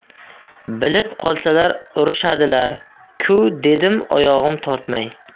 bilib qolsalar urishadilar ku dedim oyog'im tortmay